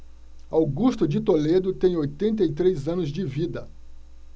augusto de toledo tem oitenta e três anos de vida